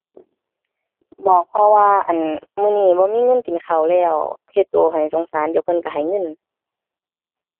บอกพ่อว่า อั่น มื้อนี้บ่มีเงินกินข้าวแล้ว เฮ็ดตัวให้สงสารเดี๋ยวเพิ่นตัวให้เงิน